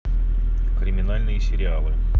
криминальные сериалы